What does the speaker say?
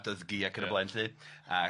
...a Dyddgu ac yn y blaen 'lly... Ia